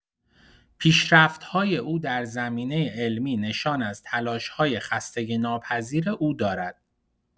پیشرفت‌های او در زمینه علمی نشان از تلاش‌های خستگی‌ناپذیر او دارد.